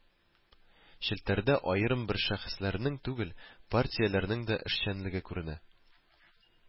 Челтәрдә аерым бер шәхесләрнең түгел, партияләрнең дә эшчәнлеге күренә